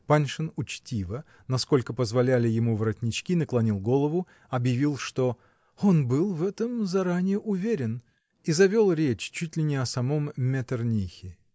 Паншин учтиво, насколько позволяли ему воротнички, наклонил голову, объявил, что "он был в этом заранее уверен", -- и завел речь чуть ли не о самом Меттернихе.